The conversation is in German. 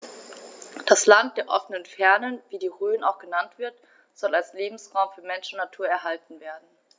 Das „Land der offenen Fernen“, wie die Rhön auch genannt wird, soll als Lebensraum für Mensch und Natur erhalten werden.